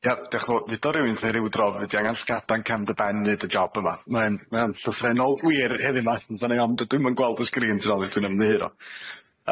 Ia diolch fow- dudodd rywun 'thai ryw dro fyddi di angan llygada'n cefn dy ben neud y job yma, mae'n mae'n llythrennol wir heddiw 'ma, ond dydwi'm yn gweld y sgrin sori, dwi'n ymddiheuro.